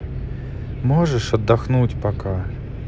можешь отдохнуть пока